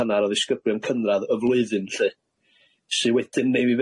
hannar o ddisgyblion cynradd y flwyddyn lly sy wedyn 'neu' fi